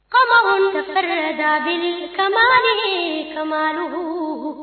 Faamakuntigɛ da katigidugu